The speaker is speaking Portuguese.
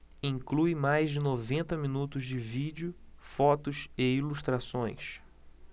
inclui mais de noventa minutos de vídeo fotos e ilustrações